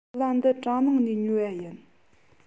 བོད ལྭ འདི གྲ ནང ནས ཉོས པ ཡིན